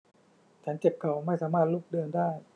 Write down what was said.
ฉันเจ็บเข่าไม่สามารถลุกเดินได้